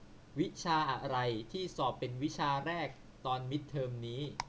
วิชาอะไรที่สอบเป็นวิชาแรกตอนมิดเทอมนี้